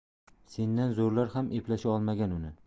sendan zo'rlar ham eplasha olmagan uni